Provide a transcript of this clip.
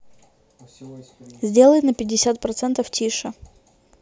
сделай на пятьдесят процентов тише